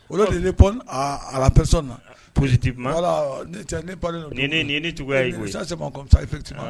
O de ne alapresi na pti ma yala ne nin tugu ye sa sefe tun